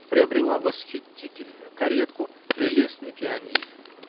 приобрела восхитительную каретку, прелестный пианино.